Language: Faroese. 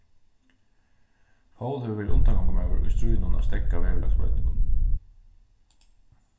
pól hevur verið undangongumaður í stríðinum at steðga veðurlagsbroytingum